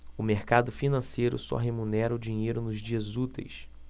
o mercado financeiro só remunera o dinheiro nos dias úteis